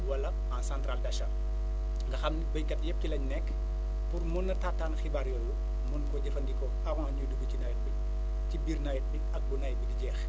wala en central d' achat nga xam béykat yëpp ci lañ nekk pour mun a taataan xibaar yooyu mun koo jëfandikoo avant ñuy dugg ci nawet bi ci biir nawet bi ak bu nawet bi di jeex